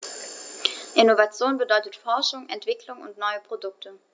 Innovation bedeutet Forschung, Entwicklung und neue Produkte.